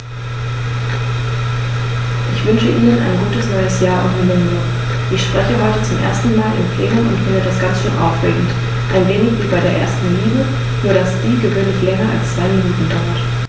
Ich wünsche Ihnen ein gutes neues Jahr und Millennium. Ich spreche heute zum ersten Mal im Plenum und finde das ganz schön aufregend, ein wenig wie bei der ersten Liebe, nur dass die gewöhnlich länger als zwei Minuten dauert.